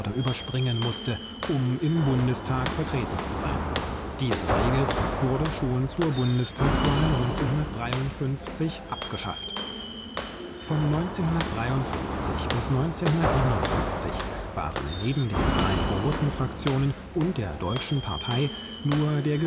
überspringen musste, um im Bundestag vertreten zu sein. Diese Regel wurde schon zur Bundestagswahl 1953 abgeschafft. Von 1953 bis 1957 waren neben den drei großen Fraktionen und der Deutschen Partei nur der